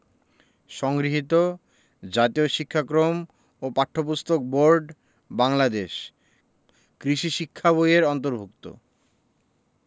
সংগৃহীত জাতীয় শিক্ষাক্রম ও পাঠ্যপুস্তক বোর্ড বাংলাদেশ কৃষি শিক্ষা বই এর অন্তর্ভুক্ত